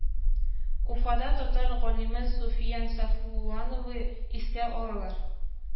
Уфада татар галиме Суфиян Сафуановны искә алалар